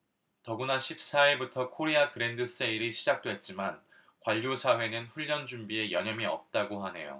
더구나 십 사 일부터 코리아 그랜드세일이 시작됐지만 관료사회는 훈련 준비에 여념이 없다고 하네요